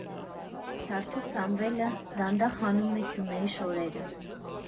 Քյարթու Սամվելը դանդաղ հանում է Սյունեի շորերը.